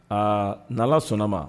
Aa n' allah sɔnn'a ma!